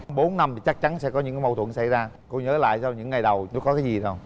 bốn năm thì chắc chắn sẽ có những cái mâu thuẫn xảy ra cô nhớ lại xem những ngày đầu nó có cái gì hông